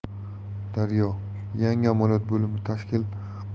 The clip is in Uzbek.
daryo yangi amaliyot bo'limi tashkil